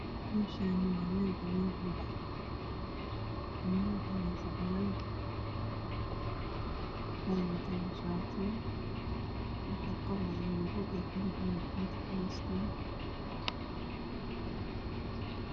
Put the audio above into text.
Meshan waa mel banan ah oo bacad ah niman aya fadhiyan waxey watan shatiyo waxey gacanta kuhestan buug io qalin